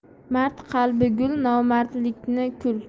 mard qalbi gul nomardniki kul